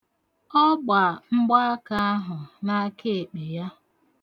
Ọ gba mgaaka ahụ n'akaekpe ya.